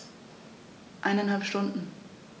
Eineinhalb Stunden